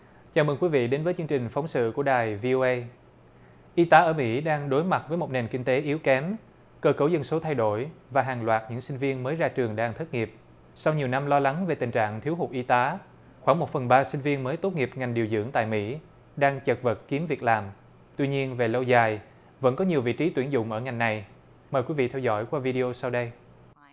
chào mừng quý vị đến với chương trình phóng sự của đài vi âu ay y tá ở mỹ đang đối mặt với một nền kinh tế yếu kém cơ cấu dân số thay đổi và hàng loạt những sinh viên mới ra trường đang thất nghiệp sau nhiều năm lo lắng về tình trạng thiếu hụt y tá khoảng một phần ba sinh viên mới tốt nghiệp ngành điều dưỡng tại mỹ đang chật vật kiếm việc làm tuy nhiên về lâu dài vẫn có nhiều vị trí tuyển dụng ở ngành này mời quý vị theo dõi qua video sau đây